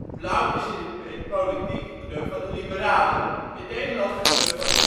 Blauw is in de politiek de kleur van de liberalen, in Nederland de kleur van de